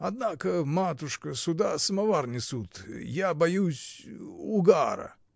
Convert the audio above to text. Однако, матушка, сюда самовар несут, я боюсь. угара.